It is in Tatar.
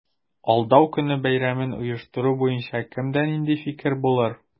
Алдау көне бәйрәмен оештыру буенча кемдә нинди фикер булыр?